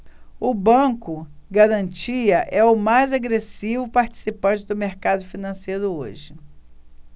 o banco garantia é o mais agressivo participante do mercado financeiro hoje